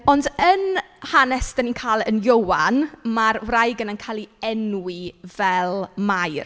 Ond yn hanes dan ni'n cael yn Ioan, ma'r wraig yn cael ei enwi fel Mair.